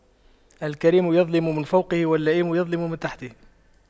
الكريم يظلم من فوقه واللئيم يظلم من تحته